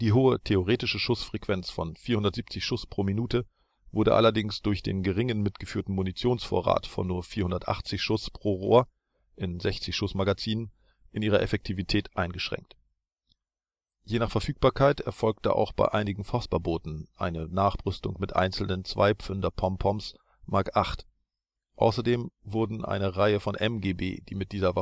hohe theoretische Schussfrequenz von 470 Schuss pro Minute, wurde allerdings durch den geringen mitgeführten Munitionsvorrat von nur 480 Schuss pro Rohr (in 60 Schuss-Magazinen) in ihrer Effektivität eingeschränkt. Je nach Verfügbarkeit erfolgte auch bei einigen Vosper Booten eine Nachrüstung mit einzelnen 2-Pfünder (4 cm) Pom-Poms Mark VIII, außerdem wurden eine Reihe von MGB, die mit dieser